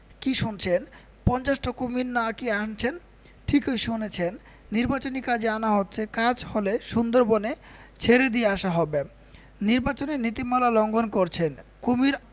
কি শুনছেন পঞ্চাশটা কুমীর না কি আনছেন ঠিকই শুনেছেন নির্বাচনী কাজে আনা হচ্ছে কাজ হলে সুন্দরবনে ছেড়ে দিয়ে আসা হবে ‘নিবাচনী নীতিমালা লংঘন করছেন কুমীর